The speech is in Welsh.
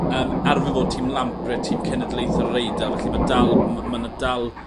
yym arfer fod tîm Lampre tîm cenedlaethol yr Eidal felly ma' dal ma' ma' 'na dal